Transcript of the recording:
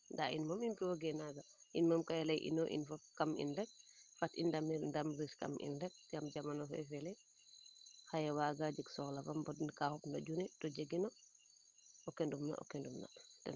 ndaa in moom i mbiyooge naana in moom ka i leye in fop kam in rek fat i ndam ril kam in rek yaam jamano fee fele xaye waaga jeg soxla fo mbond kaa xupna junni to jegino o kenum na o kenum na